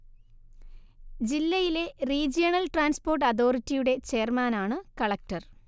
ജില്ലയിലെ regional transport അതോറിറ്റിയുടെ ചെയർമാനാണ് കളക്ടർ